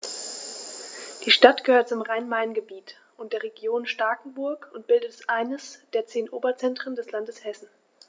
Die Stadt gehört zum Rhein-Main-Gebiet und der Region Starkenburg und bildet eines der zehn Oberzentren des Landes Hessen.